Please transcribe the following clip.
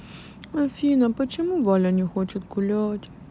афина почему валя не хочет гулять